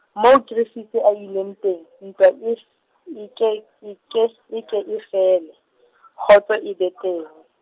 moo Griffith a ileng teng, ntwa ef-, eke-, eke f-, eke e fele , kgotso e be teng.